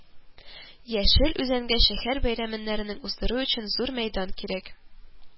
Яшел Үзәнгә шәһәр бәйрәмнәрен уздыру өчен зур мәйдан кирәк